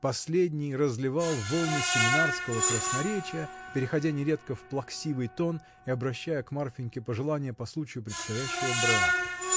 Последний разливал волны семинарского красноречия, переходя нередко в плаксивый тон и обращая к Марфиньке пожелания по случаю предстоящего брака.